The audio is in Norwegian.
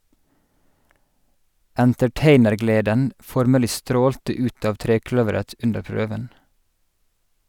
Entertainergleden formelig strålte ut av trekløveret under prøven.